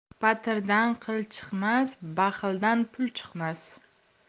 patirdan qil chiqmas baxildan pul chiqmas